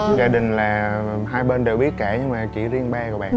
gia đình là hai bên đều biết cả nhưng mà chỉ riêng ba của bạn